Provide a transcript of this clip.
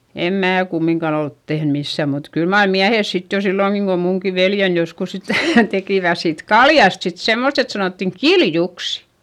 en minä kumminkaan ole tehnyt missään mutta kyllä mar miehet sitten jo silloinkin kun minunkin veljeni joskus sitä tekivät siitä kaljasta sitten semmoista että sanottiin kiljuksi